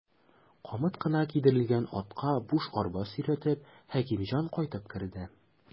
Камыт кына кидерелгән атка буш арба сөйрәтеп, Хәкимҗан кайтып керде.